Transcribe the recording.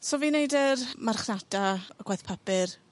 So fi'n neud yr marchnata, y gwaith papur.